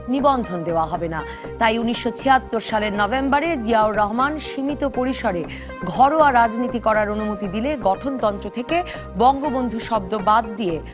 নিবন্ধন দেওয়া হবে না তাই 1976 সালের নভেম্বরে জিয়াউর রহমান সীমিত পরিসরে ঘরোয়া রাজনীতি করার অনুমতি দিলে গঠনতন্ত্র থেকে বঙ্গবন্ধু শব্দ বাদ দিয়ে